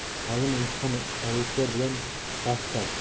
muallim imtihon oluvchilar bilan bahslashdi